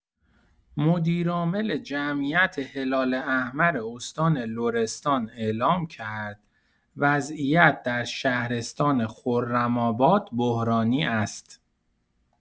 مدیرعامل جمعیت هلال‌احمر استان لرستان اعلام کرد وضعیت در شهرستان خرم‌آباد بحرانی است.